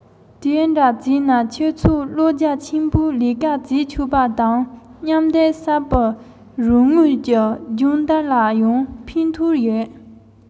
སྔོན མའི བྱེད སྟངས དེ རིགས དེ ཙམ གྱིས གོ ཆོད པ ཞིག མ རེད